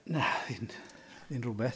Na, oedd hi'n... oedd hi'n rywbeth.